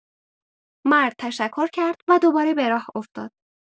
مرد تشکر کرد و دوباره به راه افتاد.